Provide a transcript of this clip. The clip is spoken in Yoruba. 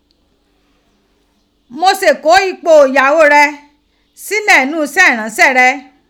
Mo se ko ipo iyagho re sile n nu ise iranse re.